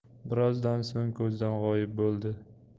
birozdan so'ng ko'zdan g'oyib bo'ldi